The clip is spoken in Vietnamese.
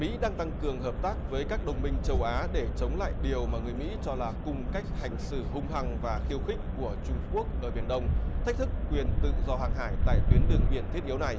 mỹ đang tăng cường hợp tác với các đồng minh châu á để chống lại điều mà người mỹ cho là cung cách hành xử hung hăng và khiêu khích của trung quốc ở biển đông thách thức quyền tự do hàng hải tại tuyến đường biển thiết yếu này